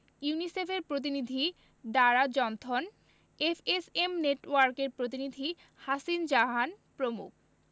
ইউনিসেফের প্রতিনিধি Dara Johnston FSM নেটওয়ার্কের প্রতিনিধি হাসিন জাহান প্রমুখ